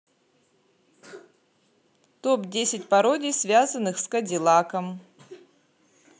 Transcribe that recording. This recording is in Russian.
топ десять пародий связанных с кадиллаком